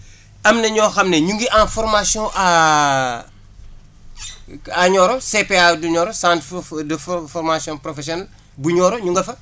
am na ñoo xam ne ñu ngi en formation à à Nioro CPA du Nioro centre de formation professionelle bu Nioro ñu nga fa